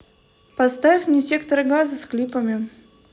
поставь мне сектор газа с клипами